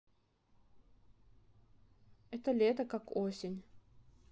это лето как осень